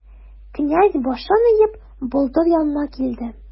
Князь, башын иеп, болдыр янына килде.